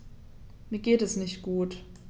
Mir geht es nicht gut.